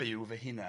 Byw fy hunan